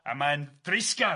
A mae'n dreisgar.